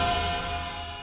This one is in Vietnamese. anh